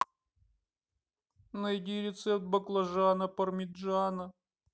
найди рецепт баклажана пармиджано